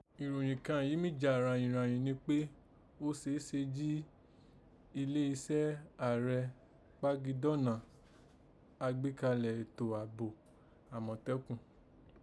Ìròyìn kàn yìí mí jà ràyìnràyìn ni kpé, ó ṣeé se jí ilé isẹ́ ààrẹ kpagidọ́na àgbékanlẹ̀ ètò àbò àmọ̀ntẹ́kùn